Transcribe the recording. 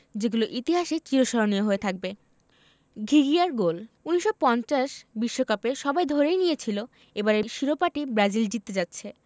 যেগুলো ইতিহাসে চিরস্মরণীয় হয়ে থাকবে ঘিঘিয়ার গোল ১৯৫০ বিশ্বকাপে সবাই ধরেই নিয়েছিল এবারের শিরোপাটি ব্রাজিল জিততে যাচ্ছে